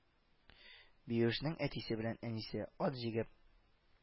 Биюшнең әтисе белән әнисе ат җигеп